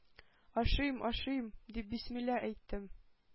“ашыйм-ашыйм”, – дип, бисмилла әйтеп,